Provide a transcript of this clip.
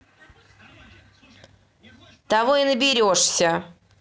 того и наберешься